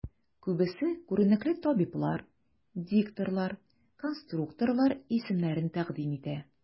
Күбесе күренекле табиблар, дикторлар, конструкторлар исемнәрен тәкъдим итә.